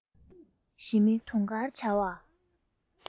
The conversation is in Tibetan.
ཞི མི དུང དཀར བྱ བ